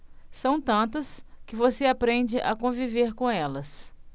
são tantas que você aprende a conviver com elas